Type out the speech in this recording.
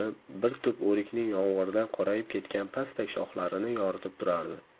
bir tup o'rikning yomg'irdan qorayib ketgan pastak shoxlarini yoritib turardi